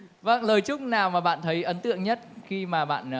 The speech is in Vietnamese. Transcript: vâng lời chúc nào mà bạn thấy ấn tượng nhất khi mà bạn